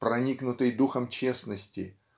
Проникнутый духом честности